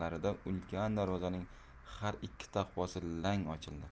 darvozaning har ikki tavaqasi lang ochildi